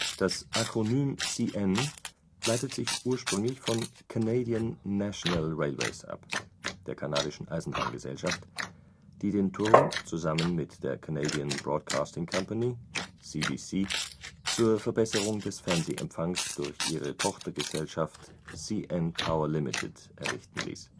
Das Akronym CN leitet sich ursprünglich von Canadian National Railways ab, der kanadischen Eisenbahngesellschaft, die den Turm zusammen mit der Canadian Broadcasting Company (CBC) zur Verbesserung des Fernsehempfangs durch ihre Tochtergesellschaft CN Tower Limited errichten ließ